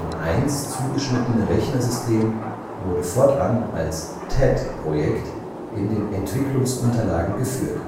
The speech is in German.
7501 zugeschnittene Rechnersystem wurde fortan als TED-Projekt in den Entwicklungsunterlagen geführt